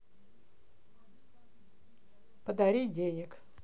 подари денег